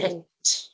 Hint.